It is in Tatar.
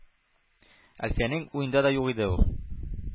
Әлфиянең уенда да юк иде ул.